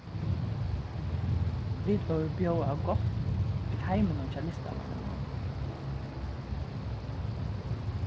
vit vóru bjóðað á gátt í heiminum hjá listamanninum